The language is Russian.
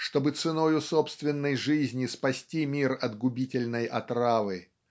чтобы ценою собственной жизни спасти мир от губительной отравы.